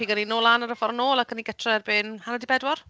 Pigo ni nôl lan ar y ffordd nôl, ac o'n i gytre erbyn hanner awr 'di bedwar .